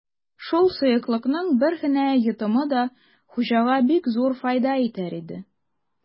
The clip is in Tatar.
Шул сыеклыкның бер генә йотымы да хуҗага бик зур файда итәр иде.